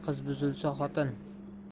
qiz buzilsa xotin